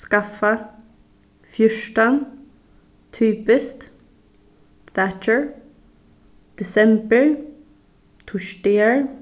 skaffa fjúrtan typiskt thatcher desembur týsdagar